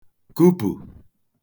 kupù